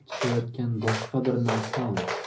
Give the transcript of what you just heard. chiqayotgan boshqa bir narsami